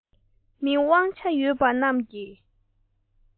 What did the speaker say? མི དབང ཆ ཡོད པ རྣམས ཀྱིས